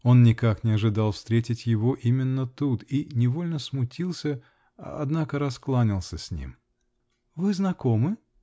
Он никак не ожидал встретить его именно тут -- и невольно смутился, однако раскланялся с ним. -- Вы знакомы?